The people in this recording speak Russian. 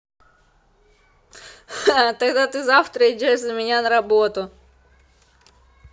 тогда ты завтра идешь за меня на работу